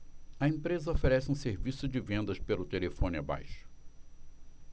a empresa oferece um serviço de vendas pelo telefone abaixo